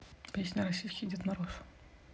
песня российский дед мороз